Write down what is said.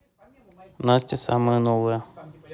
настя самые новые